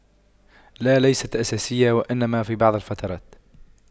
لا ليست أساسية وإنما في بعض الفترات